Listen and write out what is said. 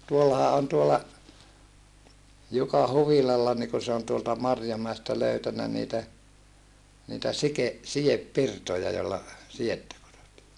tuollahan on tuolla Jukan huvilalla niin kun se on tuolta Marjomäestä löytänyt niitä niitä - sidepirtoja jolla sidettä kudotaan